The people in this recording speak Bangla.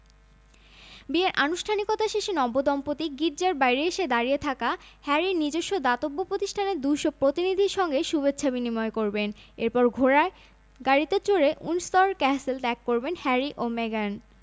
বিয়ের আনুষ্ঠানিকতা শেষে নবদম্পতি গির্জার বাইরে দাঁড়িয়ে থাকা হ্যারির নিজস্ব দাতব্য প্রতিষ্ঠানের ২০০ প্রতিনিধির সঙ্গে শুভেচ্ছা বিনিময় করবেন এরপর ঘোড়ার গাড়িতে চড়ে উইন্ডসর ক্যাসেল ত্যাগ করবেন হ্যারি ও মেগান